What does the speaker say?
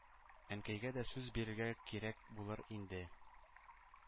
Әнкәйгә дә сүз бирергә кирәк булыр инде